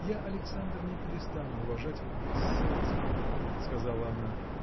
– Я, Александр, не перестану уважать в вас сердце, – сказала она.